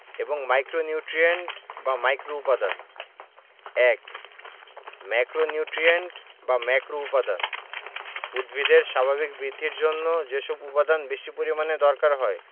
এবং মাইক্রোনিউট্রিয়েন্ট বা মাইক্রোউপাদান ১ ম্যাক্রোনিউট্রিয়েন্ট বা ম্যাক্রোউপাদান উদ্ভিদের স্বাভাবিক বৃদ্ধির জন্য যেসব উপাদান বেশি পরিমাণে দরকার হয়